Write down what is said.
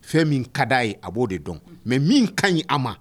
Fɛn min ka d'a ye a b'o de dɔn unhun mais min kaɲi a ma